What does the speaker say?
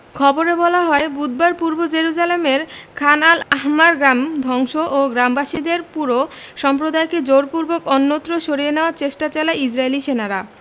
খবরে বলা হয় বুধবার পূর্ব জেরুজালেমের খান আল আহমার গ্রাম ধ্বংস ও গ্রামবাসীদের পুরো সম্প্রদায়কে জোরপূর্বক অন্যত্র সরিয়ে নেয়ার চেষ্টা চালায় ইসরাইলি সেনারা